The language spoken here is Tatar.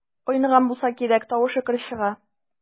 Айныган булса кирәк, тавышы көр чыга.